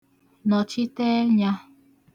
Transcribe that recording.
nọ̀chite ẹnyā